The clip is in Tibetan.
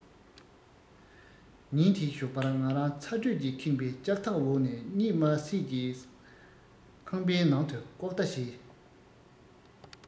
ཉིན དེའི ཞོགས པར ང རང ཚ དྲོད ཀྱིས ཁེངས པའི ལྕགས ཐབ འོག ནས གཉིད མ སད ཀྱིས ཁང པའི ནང དུ ལྐོག ལྟ བྱས